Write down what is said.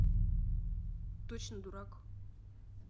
точно дурак